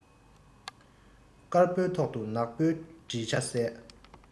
དཀར པོའི ཐོག ཏུ ནག པོའི བྲིས ཆ གསལ